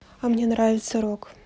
а мне нравиться рок